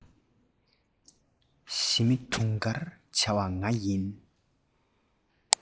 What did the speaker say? ཞི མི དུང དཀར བྱ བ ང ཡིན